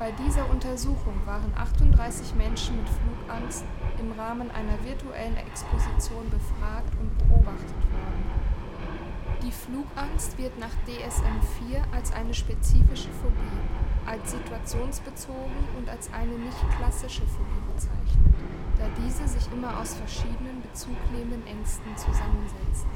dieser Untersuchung waren 38 Menschen mit Flugangst im Rahmen einer virtuellen Exposition befragt und beobachtet worden. Die Flugangst wird nach DSM IV als eine spezifische Phobie, als situationsbezogen und als eine nicht „ klassische Phobie “bezeichnet, da diese sich immer aus verschiedenen bezugnehmenden Ängsten zusammensetzt